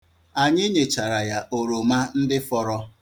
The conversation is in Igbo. Anyi ̣nyechara ya oroma ndị fọrọ.